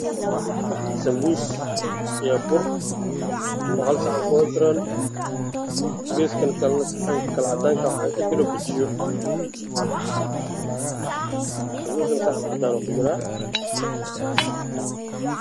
Waa saxan cadaan waxaa ku jira sambuus iyo bur